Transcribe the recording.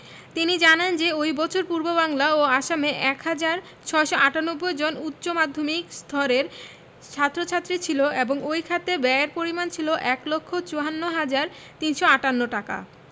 তিনি জানান যে ওই বছর পূর্ববাংলা ও আসামে ১ হাজার ৬৯৮ জন উচ্চ মাধ্যমিক স্থরের ছাত্র ছাত্রী ছিল এবং ওই খাতে ব্যয়ের পরিমাণ ছিল ১ লক্ষ ৫৪ হাজার ৩৫৮ টাকা